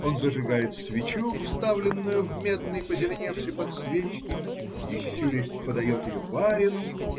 Он зажигает свечу, вставленную в медный позеленевший подсвечник, и, щурясь, подает ее барину.